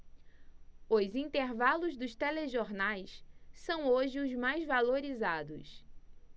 os intervalos dos telejornais são hoje os mais valorizados